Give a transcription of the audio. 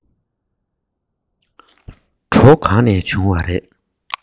གྲོ གང ནས བྱུང བ རེད